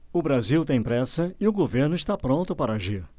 o brasil tem pressa e o governo está pronto para agir